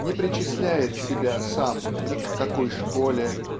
не причисляет себя сам ни к какой школе